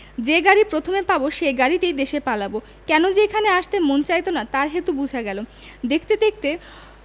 যে গাড়ি প্রথমে পাব সেই গাড়িতে দেশে পালাব কেন যে এখানে আসতে মন চাইত না তার হেতু বোঝা গেল দেখতে দেখতে